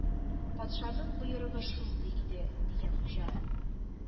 — патшаның боерыгы шундый иде,— дигән хуҗа.